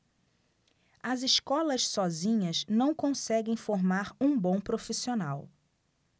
as escolas sozinhas não conseguem formar um bom profissional